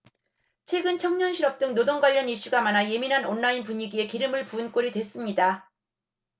최근 청년 실업 등 노동 관련 이슈가 많아 예민한 온라인 분위기에 기름을 부은 꼴이 됐습니다